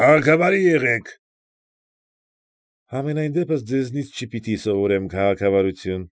Քաղաքավարի եղեք։ ֊ Համենայն դեպս ձեզնից չպիտի սովորեմ քաղաքավարություն։